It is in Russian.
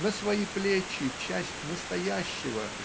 на свои плечи часть настоящего